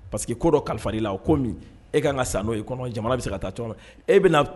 parce que ko dɔ kalifala e la o ko in e ka kan ka sa n'o ye i kɔnɔ jamana bɛ se ka taa ɲɛ cogo min na.